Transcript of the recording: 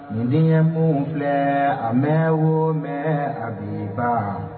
Nin den ɲɛ minnu filɛ a bɛ wo mɛn a biba